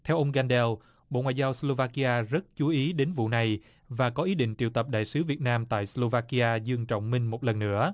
theo ông gan đeo bộ ngoại giao sờ lâu va ki a rất chú ý đến vụ này và có ý định triệu tập đại sứ việt nam tại sờ lâu va ki a dương trọng minh một lần